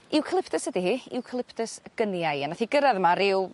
Eucalyptus ydi hi Eucalyptus Gunnii a nath 'i gyrradd yma ryw